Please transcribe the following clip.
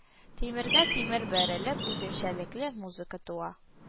Тимергә тимер бәрелеп, үзенчәлекле музыка туа